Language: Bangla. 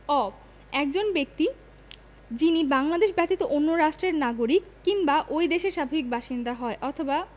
অ একজন ব্যক্তি যিনি বাংলাদেশ ব্যতীত অন্য কোন রাষ্ট্রের নাগরিক কিংবা ঐ দেশের স্বাভাবিক বাসিন্দা হয় অথবা